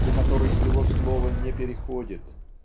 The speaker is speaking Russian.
за который его слово не переходит.